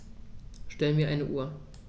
Stell mir eine Uhr.